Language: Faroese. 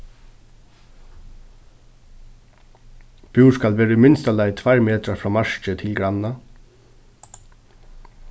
búr skal vera í minsta lagi tveir metrar frá marki til granna